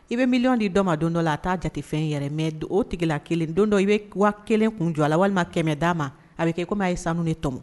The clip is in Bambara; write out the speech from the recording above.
I bɛ miliyɔn di dɔ ma don dɔ la a t'a jate fɛn ye yɛrɛ mais o tigila kelen, don dɔ i bɛ 5000 kun jɔ a la walima 500 da ma, a bɛ kɛ comme a ye sanu de tɔmɔ.